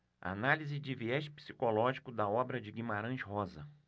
análise de viés psicológico da obra de guimarães rosa